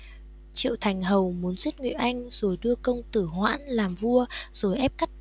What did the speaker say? triệu thành hầu muốn giết ngụy oanh rồi đưa công tử hoãn làm vua rồi ép cắt